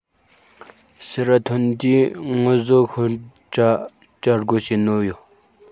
ཕྱིར ར ཐོན དུས ངུ བཟོ ཤོད དྲ སྒོ ཕྱེ ནོ ཡོད